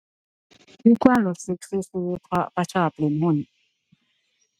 มีความรู้สึกซื่อซื่อ เพราะว่าชอบเล่นหุ้น